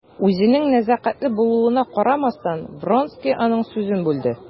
Үзенең нәзакәтле булуына карамастан, Вронский аның сүзен бүлде.